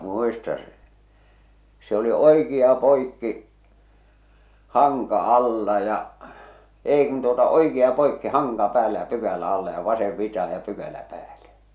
muistan se se oli oikea poikki hanka alla ja ei kun tuota oikea poikki hanka päällä ja pykälä alla ja vasen vitaan ja pykälä päälle